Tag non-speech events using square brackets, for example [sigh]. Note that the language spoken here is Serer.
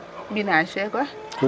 [noise] Binage fe koy ?